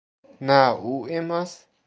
na u emas